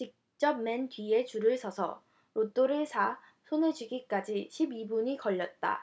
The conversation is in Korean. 직접 맨 뒤에 줄을 서서 로또를 사 손에 쥐기까지 십 이 분이 걸렸다